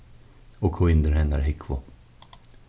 og kínir hennara húgvu